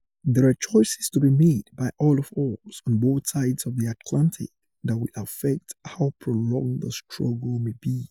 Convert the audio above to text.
There are choices to be made by all of us on both sides of the Atlantic that will affect how prolonged the struggle may be.